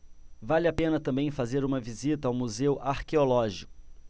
vale a pena também fazer uma visita ao museu arqueológico